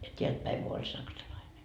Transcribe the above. ja täältä päin kun oli saksalainen